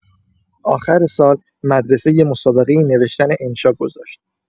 آخر سال، مدرسه یه مسابقه نوشتن انشا گذاشت.